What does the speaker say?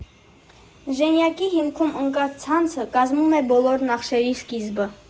Ժանյակի հիմքում ընկած ցանցը կազմում է բոլոր նախշերի սկիզբը։